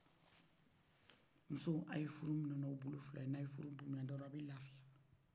musow a ye furu minɛ n'a bolo filaye n'a furu bɔɲan dɔrɔ a bɛ lafia